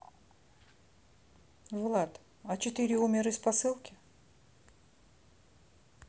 влад а четыре умер из посылки